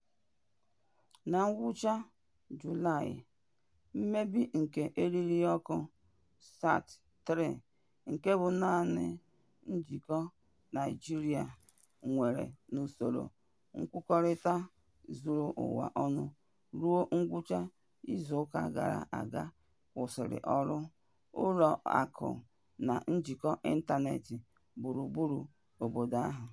Na ngwụcha Julaị, mmebi nke eririọkụ SAT-3 - nke bụ naanị njikọ Nigeria nwere n'usoro nkwukọrịta zuru ụwa ọnụ ruo ngwụcha izu ụka gara aga - kwụsịrị ọrụ ụlọakụ na njikọ ịntaneetị gburugburu obodo ahụ.